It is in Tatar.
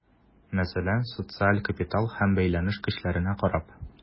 Мәсәлән, социаль капитал һәм бәйләнеш көчләренә карап.